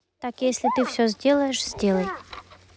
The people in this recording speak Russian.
так если ты все сделаешь сделай